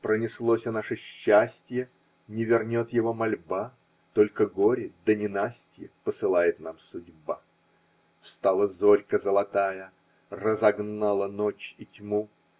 Пронеслося наше счастье, Не вернет его мольба -- Только горе да ненастье Посылает нам судьба!" Встала зорька золотая, Разогнала ночь и тьму